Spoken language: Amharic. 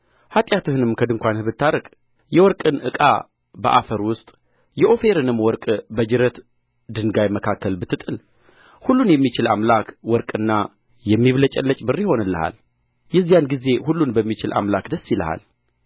ኃጢአትንም ከድንኳንህ ብታርቅ የወርቅን ዕቃ በአፈር ውስጥ የኦፊርንም ወርቅ በጅረት ድንጋይ መካከል ብትጥል ሁሉን የሚችል አምላክ ወርቅና የሚብለጨለጭ ብር ይሆንልሃል የዚያን ጊዜ ሁሉን በሚችል አምላክ ደስ ይልሃል